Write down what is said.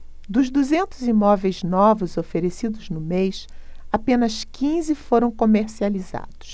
dos duzentos imóveis novos oferecidos no mês apenas quinze foram comercializados